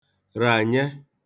rànye